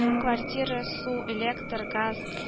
Квартира, су, электр, газ